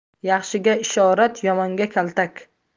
yaxshiga ishorat yomonga kaltak